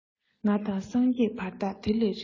ང དང སངས རྒྱས བར ཐག དེ ལས རིང